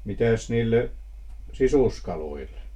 mitäs niille sisuskaluille